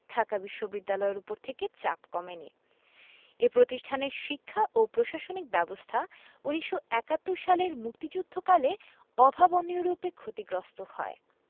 ঢাকা বিশ্ববিদ্যালয়ের ওপর থেকে চাপ কমেনি এ প্রতিষ্ঠানের শিক্ষা ও প্রশাসনিক ব্যবস্থা ১৯৭১ সালের মুক্তিযুদ্ধকালে অভাবনীয়রূপে ক্ষতিগ্রস্ত হয়